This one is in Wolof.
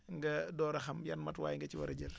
nga door a xam yan matuwaay nga ci war a jël